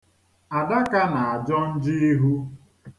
Adaka na-ajọ njọ ihu.